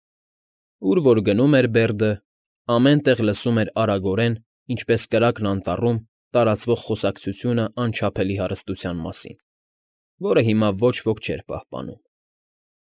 Ուր որ գնում էր Բերդը, ամեն տեղ լսում էր արագորեն, ինչպես կրակն անտառում, տարածվող խոսակցությունը անչափելի հարստության մասին, որը հիմա ոչ ոքի չէր պահպանում։